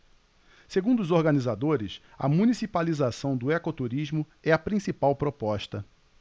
segundo os organizadores a municipalização do ecoturismo é a principal proposta